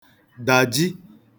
dàji